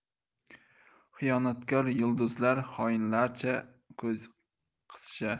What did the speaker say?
xiyonatkor yulduzlar xoinlarcha ko'z qisishar